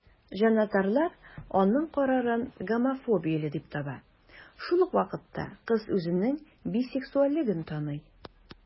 Җанатарлар аның карарын гомофобияле дип таба, шул ук вакытта кыз үзенең бисексуальлеген таный.